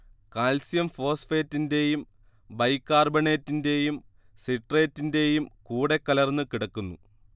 calcium ഫോസ്ഫേറ്റിന്റേയും ബൈകാർബണേറ്റിന്റേയും സിട്രേറ്റിന്റേയും കൂടെക്കലർന്ന് കിടക്കുന്നു